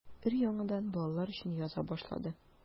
Өр-яңадан балалар өчен яза башлады.